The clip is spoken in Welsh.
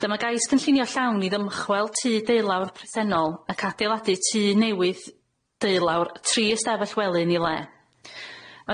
Dyma gais cynllunio llawn i ddymchwel tŷ deulawr presennol ac adeiladu tŷ newydd, deulawr tri ystafell wely 'n'i le.